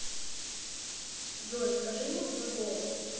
джой скажи мне свой голос